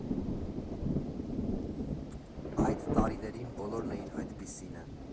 Այդ տարիներին բոլորն էին այդպիսինը.